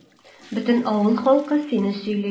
Бөтен авыл халкы сине сөйли.